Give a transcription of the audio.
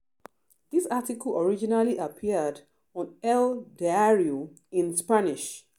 This article originally appeared on El Diario, in Spanish.